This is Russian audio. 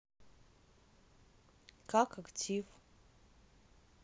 как актив